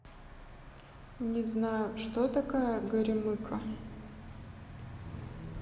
не знаю что такая горемыка